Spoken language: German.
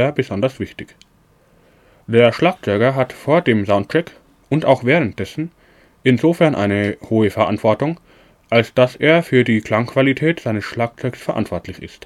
besonders wichtig. Der Schlagzeuger hat vor dem Soundcheck (und auch währenddessen) insofern eine hohe Verantwortung, als dass er für die Klangqualität seines Schlagzeugs verantwortlich